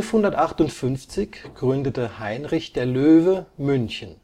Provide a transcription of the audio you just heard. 1158 gründete Heinrich der Löwe München